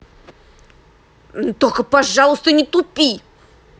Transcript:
только пожалуйста не тупи